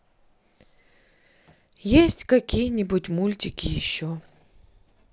есть какие нибудь мультики еще